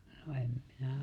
no en minä